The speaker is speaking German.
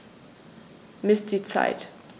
Miss die Zeit.